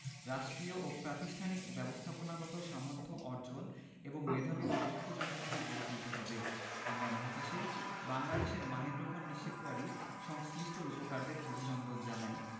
রাষ্ট্রীয় ও প্রাতিষ্ঠানিক ব্যবস্থাপনাগত সামর্থ্য অর্জন এবং মেধাবী ও দক্ষ জনশক্তি গড়ে তুলতে হবে আমরা মহাকাশে বাংলাদেশের মাহেন্দ্রক্ষণ নিশ্চিতকারী সংশ্লিষ্ট রূপকারদের অভিনন্দন জানাই